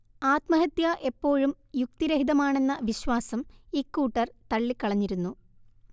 ആത്മഹത്യ എപ്പോഴും യുക്തിരഹിതമാണെന്ന വിശ്വാസം ഇക്കൂട്ടർ തള്ളിക്കളഞ്ഞിരുന്നു